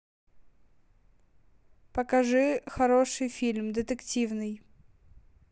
покажи хороший фильм детективный